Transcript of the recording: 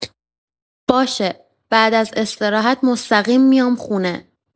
باشه، بعد از استراحت مستقیم میام خونه.